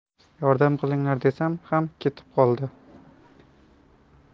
yordam qilinglar desam hamma ketib qoldi